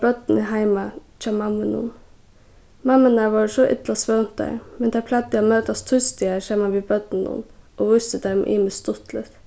børnini heima hjá mammunum mammurnar vóru so illa svøvntar men tær plagdu at møtast týsdagar saman við børnunum og vístu teimum ymiskt stuttligt